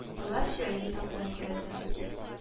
Болар җаен тапкан, күрәсең